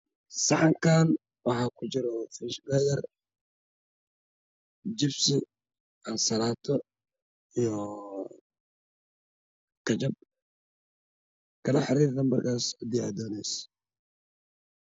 Saxankaan waxaa ku jira hanbeegar jibsi ansalaato qajab kala xariir lambarkaas hadii aad doonayso